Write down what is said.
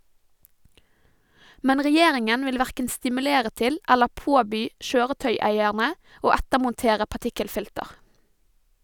Men Regjeringen vil hverken stimulere til eller påby kjøretøyeierne å ettermontere partikkelfilter.